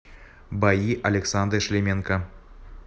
бои александра шлеменко